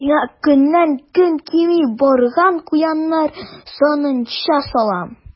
Сиңа көннән-көн кими барган куяннар санынча сәлам.